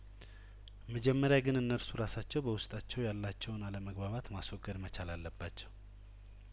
መጀመሪያግን እነርሱ ራሳቸው በውስጣቸው ያላቸውን አለመግባባት ማስወገድ መቻል አለባቸው